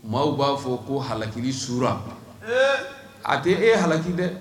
Maaw b'a fɔ ko haki su a banna ee a tɛ e ye hakiliki dɛ